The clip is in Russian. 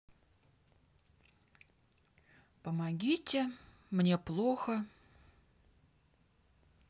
помогите мне плохо